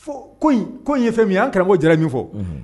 Ko ye fɛn min ye an karamɔgɔko jara min fɔ